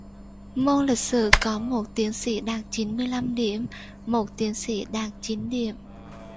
môn lịch sử có một tiến sĩ đạt chín mươi lăm điểm một tiến sĩ đạt chín điểm